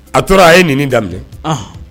A tora a ye nɛni daminɛ, ɔnhɔn.